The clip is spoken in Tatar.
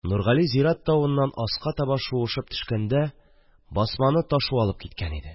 Нургали зират тавыннан аска таба шуышып төшкәндә басманы ташу алып киткән иде